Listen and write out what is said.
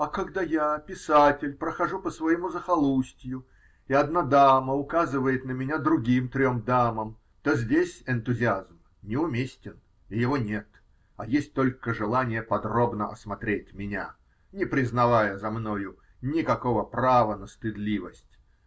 А когда я, писатель, прохожу по своему захолустью, и одна дама указывает на меня другим трем дамам, то здесь энтузиазм неуместен, и его нет, а есть только желание подробно осмотреть меня, не признавая за мною никакого права на стыдливость.